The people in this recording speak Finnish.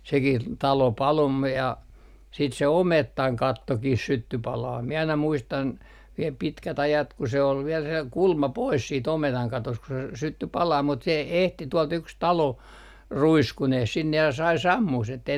sekin talo paloi -- ja sitten se ometan kattokin syttyi palamaan minä aina muistan vielä pitkät ajat kun se oli vielä se kulma pois sitten ometan katosta kun se - syttyi palamaan mutta se - ehti tuolta yksi talo ruiskuineen sinne ja sai sammumaan sen että ei